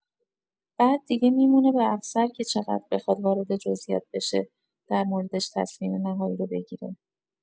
بعد دیگه می‌مونه به افسر که چقدر بخواد وارد جزیات بشه در موردش تصمیم نهایی رو بگیره.